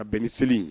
Ka bɛ ni seli in ye